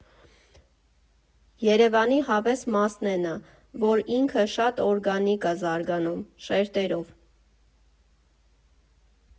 Երևանի հավես մասն էն ա, որ ինքը շատ օրգանիկ ա զարգանում՝ շերտերով։